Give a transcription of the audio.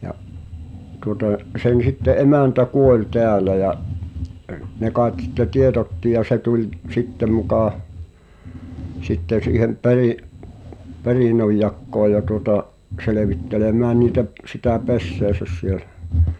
ja tuota sen sitten emäntä kuoli täällä ja ne kai sitten tiedotti ja se tuli sitten muka sitten siihen - perinnönjakoon ja tuota selvittelemään niitä - sitä pesäänsä siellä